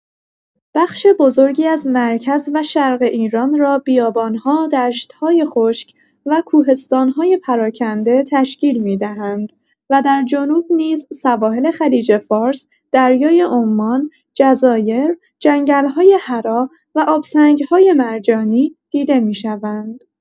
بخش بزرگی از مرکز و شرق ایران را بیابان‌ها، دشت‌های خشک و کوهستان‌های پراکنده تشکیل می‌دهند و در جنوب نیز سواحل خلیج‌فارس، دریای عمان، جزایر، جنگل‌های حرا و آبسنگ‌های مرجانی دیده می‌شوند.